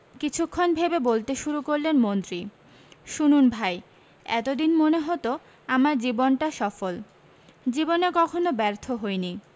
কিছুক্ষণ ভেবে বলতে শুরু করলেন মন্ত্রী শুনুন ভাই এত দিন মনে হতো আমার জীবনটা সফল জীবনে কখনো ব্যর্থ হইনি